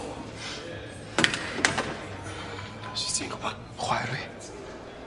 Sut ti'n gwbo? Chwaer fi.